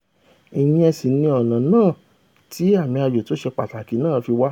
Ìyẹn sì ni ọ̀nà náà tí àmì ayò tóṣe pàtàkì náà fi wá.